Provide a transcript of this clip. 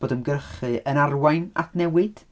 Bod ymgyrchu yn arwain at newid.